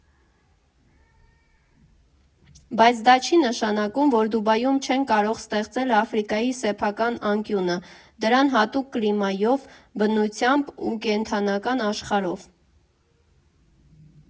Բայց դա չի նշանակում, որ Դուբայում չեն կարող ստեղծել Աֆրիկայի սեփական անկյունը՝ դրան հատուկ կլիմայով, բնությամբ ու կենդանական աշխարհով։